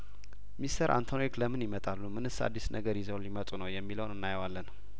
ሚስተር አንቶኒ ሌክ ለምን ይመጣሉ ምንስ አዲስ ነገር ይዘው ሊመጡ ነው የሚለውን እናየዋለን